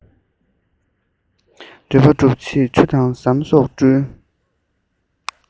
འདོད པ སྒྲུབ ཕྱིར ཆུ དང ཟམ སོགས སྤྲུལ